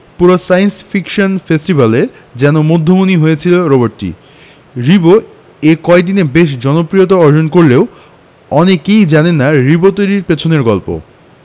পুরো science fiction ফেস্টিভ্যালে যেন মধ্যমণি হয়েছিল রোবটটি রিবো এই কয়দিনে বেশ জনপ্রিয়তা অর্জন করলেও অনেকেই জানেন না রিবো তৈরির পেছনের গল্প